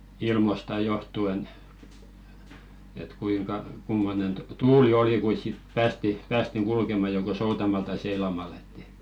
ilmoista johtuen että kuinka kummoinen - tuuli oli kuinka sitten päästiin päästiin kulkemaan joko soutamalla tai seilaamalla että